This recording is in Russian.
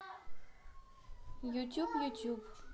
ютюб ютюб